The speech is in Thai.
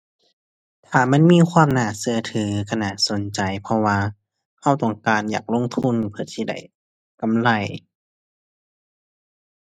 ถ้ามันมีความน่าเชื่อถือเชื่อน่าสนใจ เพราะว่าเชื่อต้องการอยากลงทุนเพื่อสิได้กำไร